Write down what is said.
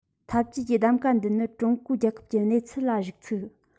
འཐབ ཇུས ཀྱི གདམ ག འདི ནི ཀྲུང གོའི རྒྱལ ཁབ ཀྱི གནས ཚུལ ལ གཞི ཚུགས